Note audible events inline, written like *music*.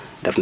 *hesitation* *hesitation*